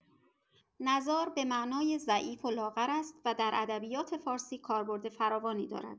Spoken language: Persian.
نزار به معنای ضعیف و لاغر است و در ادبیات فارسی کاربرد فراوانی دارد.